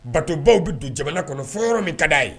Bateau bɛ don jamana kɔnɔ fɔ yɔrɔ min ka d'a ye